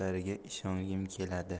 gaplariga ishongim keladi